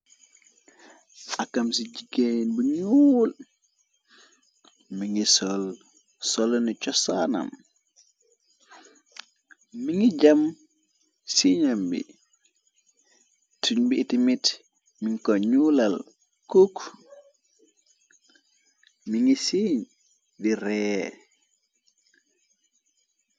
Akam ci jiggéein bu ñuul mingi solsoloni chosaanam mi ngi jam sinam bi tuñ bi di mit miñ ko ñuulal cook mi ngi siiñ di ree.